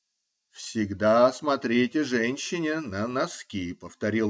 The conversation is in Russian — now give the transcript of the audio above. -- Всегда смотрите женщине на носки, -- повторил он.